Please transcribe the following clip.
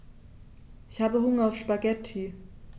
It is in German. Ich habe Hunger auf Spaghetti.